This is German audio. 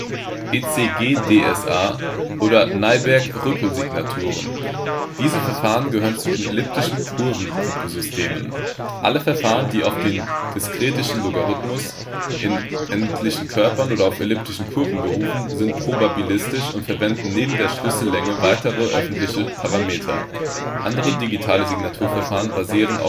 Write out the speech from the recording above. ECDSA, ECGDSA oder Nyberg-Rueppel-Signaturen – diese Verfahren gehören zu den Elliptische-Kurven-Kryptosystemen. Alle Verfahren, die auf dem diskreten Logarithmus (in endlichen Körpern oder auf elliptischen Kurven) beruhen, sind probabilistisch und verwenden neben der Schlüssellänge weitere öffentliche Parameter. Andere digitale Signaturverfahren basieren